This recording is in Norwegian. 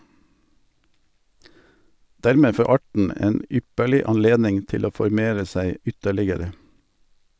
Dermed får arten en ypperlig anledning til å formere seg ytterligere.